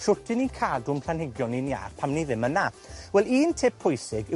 Shwt 'yn ni'n cadw'n planhigion ni'n iach pan ni ddim yna. Wel, un tip pwysig yw